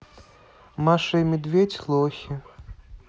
маша и медведь лохи